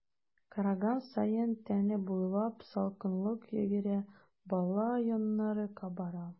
Караган саен тәне буйлап салкынлык йөгерә, бала йоннары кабара.